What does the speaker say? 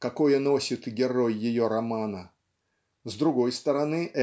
какое носит герой ее романа с другой стороны